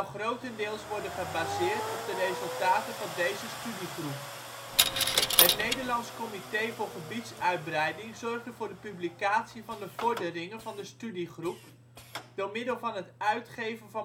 grotendeels worden gebaseerd op de resultaten van deze studiegroep. Het Nederlandsch Comité voor Gebiedsuitbreiding zorgde voor de publicatie van de vorderingen van de studiegroep door middel van het uitgeven